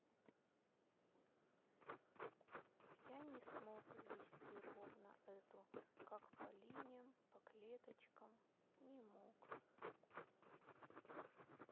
я не смог ввести ровно эту как по линиям по клеточкам не мог